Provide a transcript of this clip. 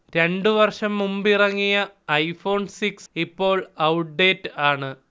രണ്ടു വർഷം മുമ്പിറങ്ങിയ ഐഫോൺ സിക്സ് ഇപ്പോൾ ഔട്ട്ഡേറ്റ് ആണ്